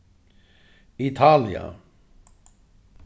italia